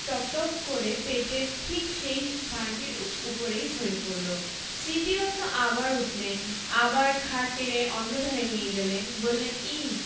টপটপ কর পেটের ঠিক সেই স্থানটির উপরেই ঝরে পড়ল স্মৃতিরত্ন আবার উঠলেন আবার খাট টেনে অন্যধারে নিয়ে গেলেন বললেন ইঃ